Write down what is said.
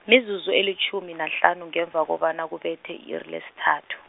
mizuzu elitjhumi nahlanu ngemva kobana kubethe i-iri lesithathu.